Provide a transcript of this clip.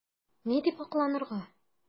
Ни дип акланырга?